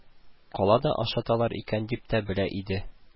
Калада ашаталар икән дип тә белә иде